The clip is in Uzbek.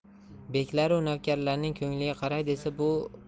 beklaru navkarlarning ko'ngliga qaray desa